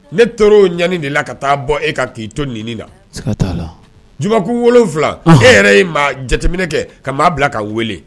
Ne to ɲani de la ka taa bɔ e kan k'i toon nin na jba wolo wolonwula e yɛrɛ ye maa jateminɛ kɛ ka' bila ka weele